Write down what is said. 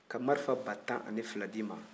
ka marifa ba tan ani fila di i ma